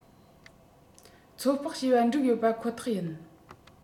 ཚོད དཔག བྱས པ འགྲིག ཡོད པ ཁོ ཐག ཡིན